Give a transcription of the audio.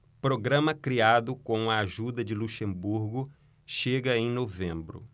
programa criado com a ajuda de luxemburgo chega em novembro